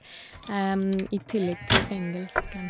I tillegg til engelsken...